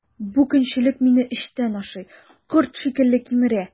Бу көнчелек мине эчтән ашый, корт шикелле кимерә.